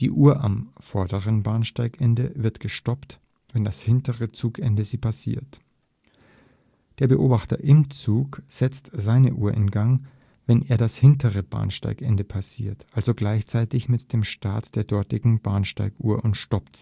Die Uhr am vorderen Bahnsteigende wird gestoppt, wenn das hintere Zugende sie passiert. Der Beobachter im Zug setzt seine Uhr in Gang, wenn er das hintere Bahnsteigende passiert, also gleichzeitig mit dem Start der dortigen Bahnsteiguhr, und stoppt